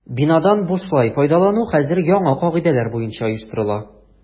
Бинадан бушлай файдалану хәзер яңа кагыйдәләр буенча оештырыла.